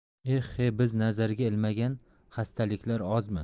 eh he biz nazarga ilmagan xastaliklar ozmi